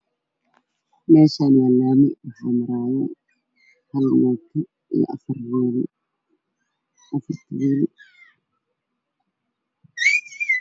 Meshan waa lami waxamaray hal mooto afar wll afarta wll